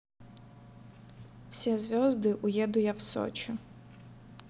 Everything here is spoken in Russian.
все звезды уеду я в сочи